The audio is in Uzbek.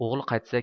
o'g'li qaytsa